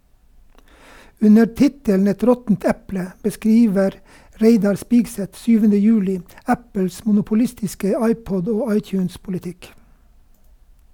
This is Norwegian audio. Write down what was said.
Under tittelen "Et råttent eple" beskriver Reidar Spigseth 7. juli Apples monopolistiske iPod- og iTunes-politikk.